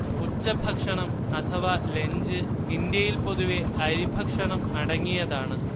ഉച്ചഭക്ഷണം അഥവ ലഞ്ച് ഇന്ത്യയിൽ പൊതുവെ അരിഭക്ഷണം അടങ്ങിയതാണ്